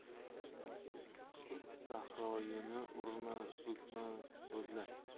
sahroyini urma so'kma so'zlat